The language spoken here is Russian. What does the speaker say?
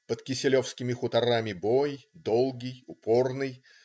Под Киселевскими хуторами бой, долгий, упорный.